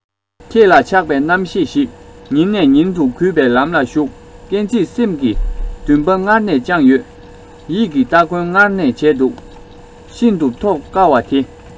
ཁྱེད ལ ཆགས པའི རྣམ ཤེས ཤིག ཉིན ནས ཉིན དུ རྒུད པའི ལམ ལ ཞུགས གཏན ཚིགས སེམས ཀྱི འདུན པ སྔར ནས བཅངས ཡོད ཡིད ཀྱི སྟ གོན སྔར ནས བྱས འདུག ཤིན ཏུ ཐོབ དཀའ བ དེ